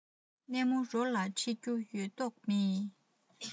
གནས མོ རོགས ལ ཁྲིད རྒྱུ ཡོད མདོག མེད